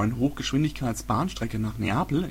Hochgeschwindigkeitsbahnstrecke nach Neapel